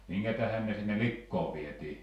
minkä tähden ne sinne likoon vietiin